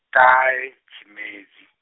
ṱahe tshimedzi.